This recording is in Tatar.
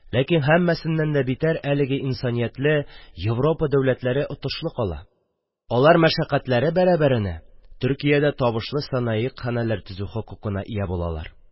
Ләкин һәммәсеннән дә битәр әлеге «инсаниятле» Европа дәүләтләре отышлы кала; алар «мәшәкатьләре» бәрәбәренә Төркиядә табышлы санаигъ хәнәләр төзү хокукына ия булалар